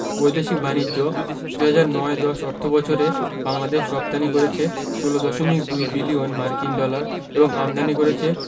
বৈদেশিক বাণিজ্যঃ ২০০৯ ১০ অর্থবছরে বাংলাদেশ রপ্তানি করেছে ১৬দশমিক ২ বিলিয়ন মার্কিন ডলার এবং আমদানি করেছে